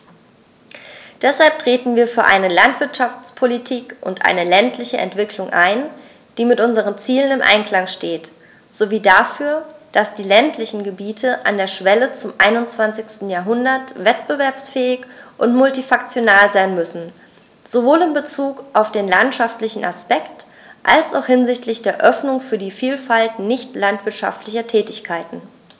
Deshalb treten wir für eine Landwirtschaftspolitik und eine ländliche Entwicklung ein, die mit unseren Zielen im Einklang steht, sowie dafür, dass die ländlichen Gebiete an der Schwelle zum 21. Jahrhundert wettbewerbsfähig und multifunktional sein müssen, sowohl in Bezug auf den landwirtschaftlichen Aspekt als auch hinsichtlich der Öffnung für die Vielfalt nicht landwirtschaftlicher Tätigkeiten.